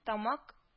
Тамак